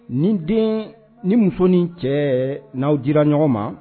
Ni den ni musosonin cɛ n'aw jira ɲɔgɔn ma